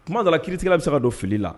Kuma da la kiirikɛla bɛ se ka don fili la